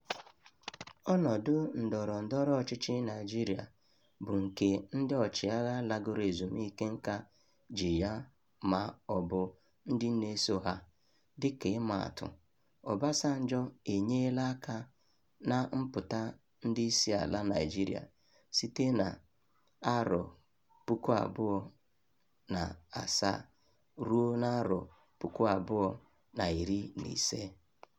Ọnọdụ ndọrọ ndọrọ ọchịchị Naijiria bụ nke ndị ọchịagha lagoro ezumike nka ji ya ma ọ bụ ndị na-eso ha. Dịka ịmaatụ, Obasanjo enyeela aka na mpụta ndị isiala Naịjirịa site na 2007 ruo 2015.